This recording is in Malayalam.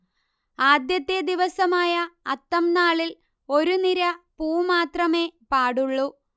ആദ്യത്തെ ദിവസമായ അത്തംനാളിൽ ഒരു നിര പൂ മാത്രമേ പാടുള്ളൂ